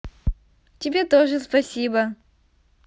тебе тоже спасибо